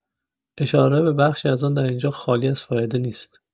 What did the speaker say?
اشاره به بخشی از آن در اینجا خالی از فائده نیست.